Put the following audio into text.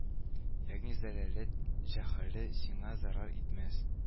Ягъни зәляләт җәһалә сиңа зарар итмәс